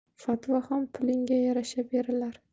fatvo ham pulingga yarasha berilar